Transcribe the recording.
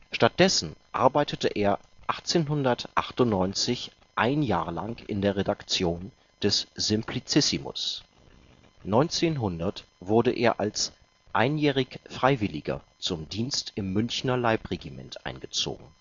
Stattdessen arbeitete er 1898 ein Jahr lang in der Redaktion des Simplicissimus. 1900 wurde er als „ Einjährig-Freiwilliger “zum Dienst im Münchner Leibregiment eingezogen